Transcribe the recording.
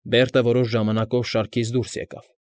Բերտը որոշ ժամանակով շարքից դուրս եկավ։